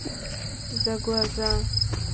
за глаза